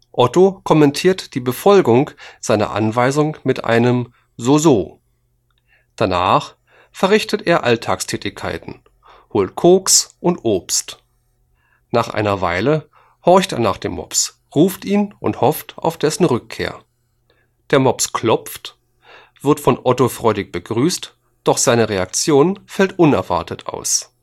Otto kommentiert die Befolgung seiner Anweisung mit einem „ soso “. Danach verrichtet er Alltagstätigkeiten, holt Koks und Obst. Nach einer Weile horcht er nach dem Mops, ruft ihn und hofft auf dessen Rückkehr. Der Mops klopft, wird von Otto freudig begrüßt, doch seine Reaktion fällt unerwartet aus